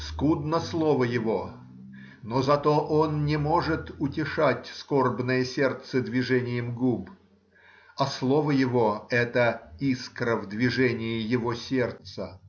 Скудно слово его, но зато он не может утешать скорбное сердце движением губ, а слово его — это искра в движении его сердца.